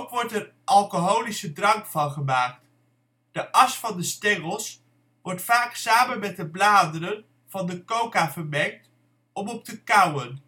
wordt er alcoholische drank van gemaakt. De as van de stengels wordt vaak samen met de bladeren van de coca vermengd om op te kauwen